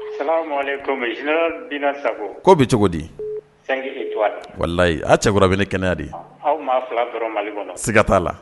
Ko bɛ cogo diyi a cɛkura bɛ ne kɛnɛya de aw siga t'a la